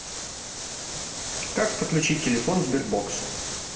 как подключить телефон sberbox